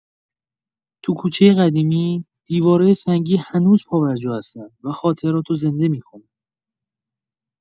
تو کوچۀ قدیمی، دیوارای سنگی هنوز پابرجا هستن و خاطراتو زنده می‌کنن.